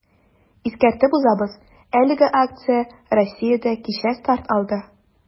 Искәртеп узабыз, әлеге акция Россиядә кичә старт алды.